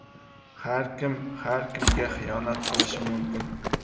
har kim har kimga xiyonat qilishi mumkin